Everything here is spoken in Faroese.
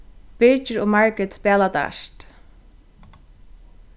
birgir og margret spæla dart